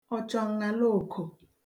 ọ̀chọ̀ǹṅàloòkò